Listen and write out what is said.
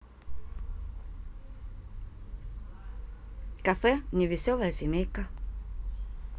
кафе на веселая семейка